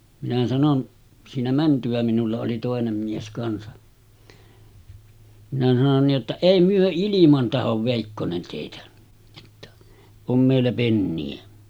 minä sanoin siinä mentyä minulla oli toinen mies kanssa minä sanoin niin että ei me ilman tahdo veikkonen teitä jotta on meillä penniä